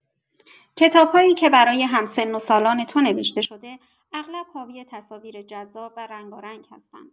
کتاب‌هایی که برای هم‌سن‌وسالان تو نوشته شده، اغلب حاوی تصاویر جذاب و رنگارنگ هستند.